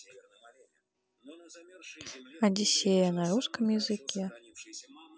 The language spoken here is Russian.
одиссея на русском языке